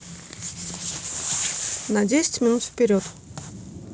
на десять минут вперед